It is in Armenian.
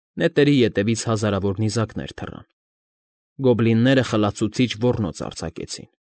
Նետերի ետևից հազարավոր նիզակներ թռան։ Գոբլինները խլացուցիչ ոռնոց արձակեցին։